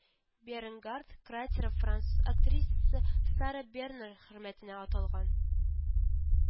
Бернгардт кратеры француз актрисасы Сара Бернар хөрмәтенә аталган